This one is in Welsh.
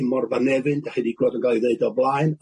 i Morfa Nefyn 'dach chi 'di gweld o'n ga'l 'i ddeud o fbaen